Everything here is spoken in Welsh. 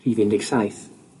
Rhif un deg saith.